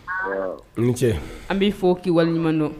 I ni ce an b'i fɔ kiba waleɲuman dɔn